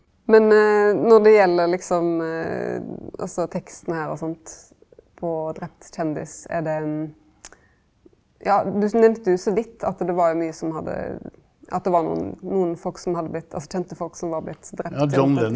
men når det gjeld liksom altså teksten her og sånt på Drept kjendis, er det ein ja du nemnde jo så vidt at det var jo mykje som hadde at det var nokon nokon folk som hadde blitt altså kjente folk som var blitt drepne .